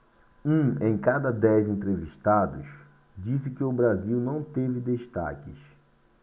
um em cada dez entrevistados disse que o brasil não teve destaques